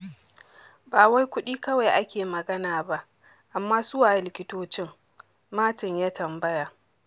"Ba wai kudi kawai ake magana ba, amma suwaye likitocin?" Martin ya tambaya.